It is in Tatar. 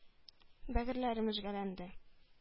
Бәгырьләрем өзгәләнде,